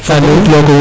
alo